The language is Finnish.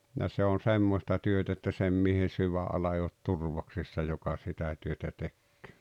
ja se on semmoista työtä että sen miehen sydänala ei ole turvoksissa joka sitä työtä tekee